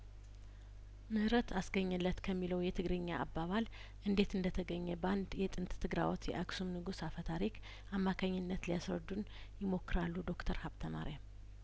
ምህረት አስገኘለት ከሚለው የትግርኛ አባባል እንዴት እንደተገኘ ባንድ የጥንት ትግራዎት የአክሱም ንጉስ አፈ ታሪክ አማካኝነት ሊያስረዱን ይሞክራሉ ዶክተር ሀብተ ማርያም